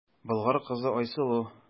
Болгар кызы Айсылу.